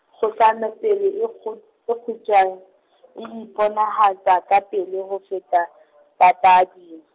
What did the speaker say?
kgohlano pale e kgut-, e kgutshweng, e iponahatsa kapele ho feta, papading.